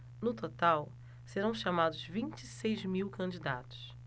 no total serão chamados vinte e seis mil candidatos